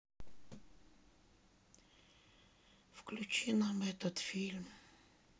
включи нам этот фильм